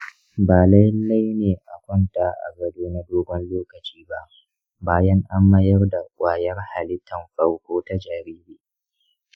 ba lallai ne a kwanta a gado na dogon lokaci ba bayan an mayar da ƙwayar halittan farko ta jariri.